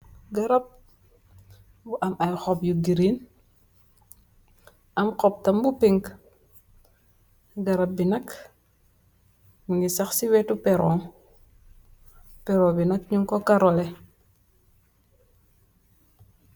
Garab bu am ay xob yu giriin am xob tam bu pink garab bi nak muni sax ci wetu peron peron bi nag ñu ko karolé